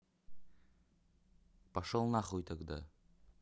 пошел на хуй тогда